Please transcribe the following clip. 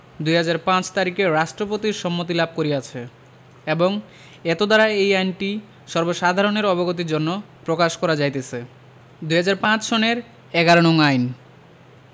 ২০০৫ তারিখে রাষ্ট্রপতির সম্মতি লাভ করিয়াছে এবং এতদ্বারা এই আইনটি সর্বসাধারণের অবগতির জন্য প্রকাশ করা যাইতেছে ২০০৫ সনের ১১ নং আইন